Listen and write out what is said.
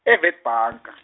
e- Witbank a.